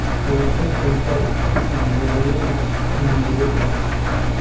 Халыкның санитар-эпидемиологик иминлеге тәэмин ителә.